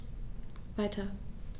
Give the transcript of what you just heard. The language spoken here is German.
Weiter.